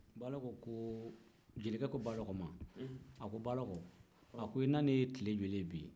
jelikɛ ko balɔbɔ ma a ko balɔbɔ i nani tile joli ye bi ye